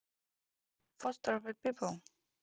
foster the people